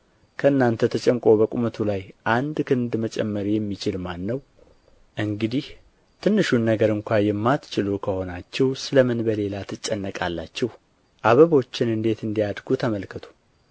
ከእናንተ ተጨንቆ በቁመቱ ላይ አንድ ክንድ መጨመር የሚችል ማን ነው እንግዲህ ትንሹን ነገር ስንኳ የማትችሉ ከሆናችሁ ስለ ምን በሌላ ትጨነቃላችሁ አበቦችን እንዴት እንዲያድጉ ተመልከቱ